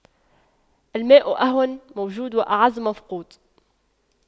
الماء أهون موجود وأعز مفقود